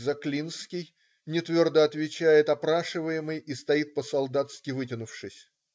Заклинский",- нетвердо отвечает опрашиваемый и стоит по-солдатски вытянувшись.